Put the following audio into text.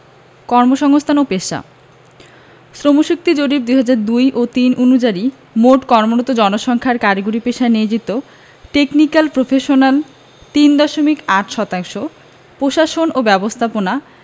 কর্মসংস্থান ও পেশাঃ শ্রমশক্তি জরিপ ২০০২ ০৩ অনুযারি মোট কর্মরত জনসংখ্যার কারিগরি পেশায় নিয়োজিত টেকনিকাল প্রফেশনাল ৩ দশমিক ৮ শতাংশ প্রশাসন ও ব্যবস্থাপনা